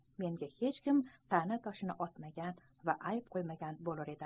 menga hech kim ta'na toshini otmagan va ayb qo'ymagan bo'lur edi